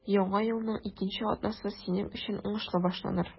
Яңа елның икенче атнасы синең өчен уңышлы башланыр.